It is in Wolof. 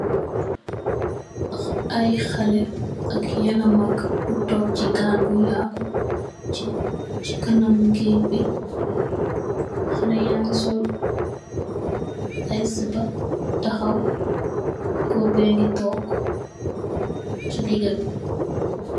I haleh ak nyena mak bu tog c gal bu yahu sey kanami geeg bi haleh yangi sol I sippa tahaw gorr beh ngi tog sey diga bi.